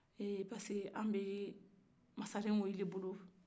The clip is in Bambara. eee parce que an bɛ masarenw de bolo